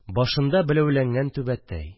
Башында беләүләнгән түбәтәй